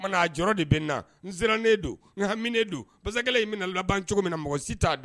De bɛ na n sirannene don nhammien don parcekɛla in bɛna laban cogo min na mɔgɔ si t'a dɔn